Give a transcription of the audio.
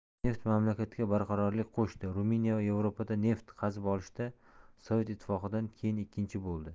neft mamlakatga barqarorlik qo'shdi ruminiya yevropada neft qazib olishda sovet ittifoqidan keyin ikkinchi bo'ldi